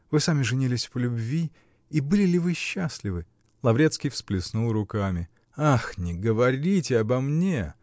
Вы сами женились по любви -- и были ли вы счастливы? Лаврецкий всплеснул руками. -- Ах, не говорите обо мне!